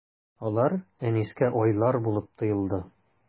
Алар Әнискә айлар булып тоелды.